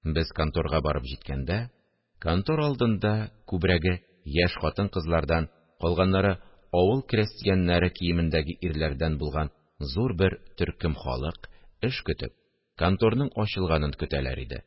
Без конторга барып җиткәндә, контор алдында күбрәге яшь хатын-кызлардан, калганнары авыл крәстияннәре киемендәге ирләрдән булган зур бер төркем халык, эш көтеп, конторның ачылганын көтәләр иде